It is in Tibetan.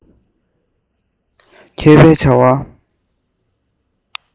མཁས པའི བྱ བ